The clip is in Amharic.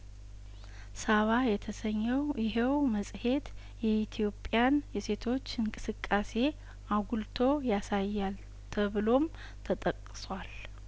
ሳባ የተሰኘው ይሄው መጽሄት የኢትዮጵያን የሴቶች እንቅስቃሴ አጉልቶ ያሳያል ተብሎም ተጠቅሷል